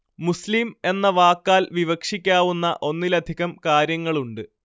മുസ്ലിം എന്ന വാക്കാൽ വിവക്ഷിക്കാവുന്ന ഒന്നിലധികം കാര്യങ്ങളുണ്ട്